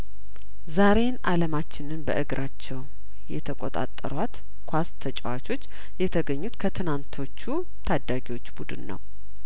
ዛሬን አለማችንን በእግራቸው የተቆጣጠሯት ኳስ ተጫዋቾች የተገኙት ከትናንቶቹ የታዳጊዎች ቡድን ነው